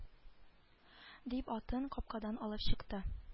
- дип атын капкадан алып чыкты